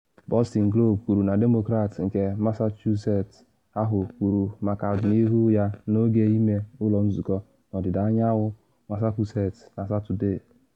Boston Globe kwuru na Demokrat nke Massachusetts ahụ kwuru maka ọdịnihu ya n’oge ime ụlọ nzụkọ n’ọdịda anyanwụ Massachusetts na Satọde.